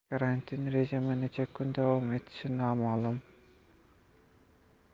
karantin rejimi necha kun davom etishi noma'lum